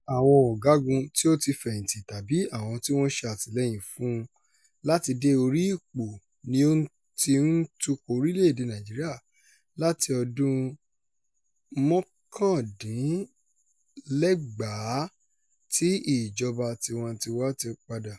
Àwọn ọ̀gágun tí ó ti fẹ̀yìntì tàbí àwọn tí wọn ṣe àtìlẹ́yìn fún-un láti dé orí ipò ni ó ti ń tukọ̀ orílẹ̀-èdè Nàìjíríà láti ọdún 1999 tí ìjọba tiwantiwa ti padà.